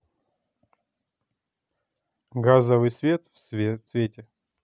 газовый свет в цвете